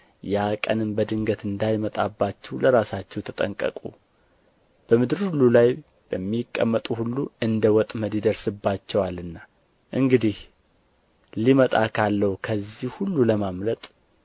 ያ ቀንም በድንገት እንዳይመጣባችሁ ለራሳችሁ ተጠንቀቁ በምድር ሁሉ ላይ በሚቀመጡ ሁሉ እንደ ወጥመድ ይደርስባቸዋልና እንግዲህ ሊመጣ ካለው ከዚህ ሁሉ ለማምለጥ